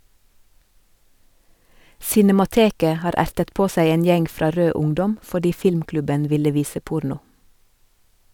Cinemateket har ertet på seg en gjeng fra "Rød ungdom" fordi filmklubben ville vise porno.